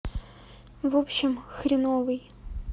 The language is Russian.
в общем хреновый